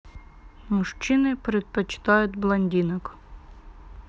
мужчины предпочитают блондинок